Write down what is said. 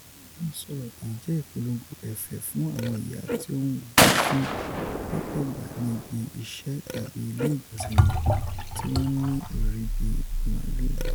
Awọn miiran sọrọ: “Eyi jẹ ipolongo ẹfẹ fun awọn iya ti on fun (lọpọ igba ni ibi iṣẹ tabi ile igbọnsẹ wọn) ti wọn n ni iriri bi “maalu.”